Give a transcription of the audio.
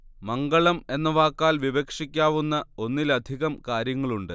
മംഗളം എന്ന വാക്കാൽ വിവക്ഷിക്കാവുന്ന ഒന്നിലധികം കാര്യങ്ങളുണ്ട്